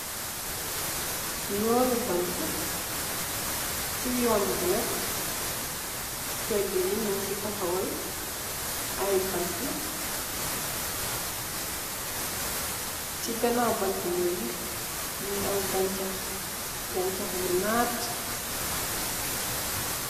Yoon nu bante, ci yoon ngi nak pege yi nyun si taxawal ay bante, ci ganaw bante yoyu mingi am gancax, gancax gi naat.